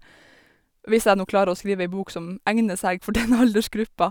Hvis jeg nå klarer å skrive ei bok som egner seg for den aldersgruppa.